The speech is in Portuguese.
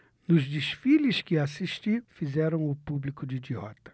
nos desfiles que assisti fizeram o público de idiota